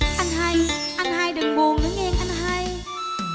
anh hai anh hai đừng buồn